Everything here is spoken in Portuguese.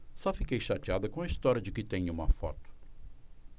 só fiquei chateada com a história de que tem uma foto